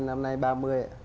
năm nay em ba mươi ạ